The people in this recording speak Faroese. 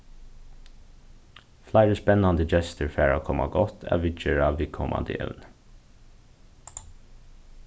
fleiri spennandi gestir fara at koma á gátt at viðgera viðkomandi evni